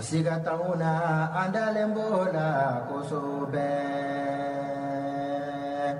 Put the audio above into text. Sigata la an ntalenbɔ lagoso bɛ